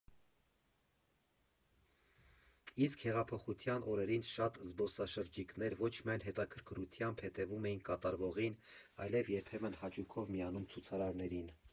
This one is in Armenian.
Իսկ հեղափոխության օրերին շատ զբոսաշրջիկներ ոչ միայն հետաքրքրությամբ հետևում էի կատարվողին, այլև երբեմն հաճույքով միանում ցուցարարներին։